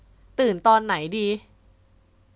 ตื่นตอนไหนดี